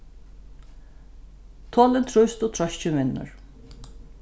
tolin trívst og treiskin vinnur